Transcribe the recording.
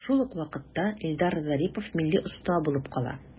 Шул ук вакытта Илдар Зарипов милли оста булып кала.